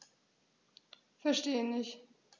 Verstehe nicht.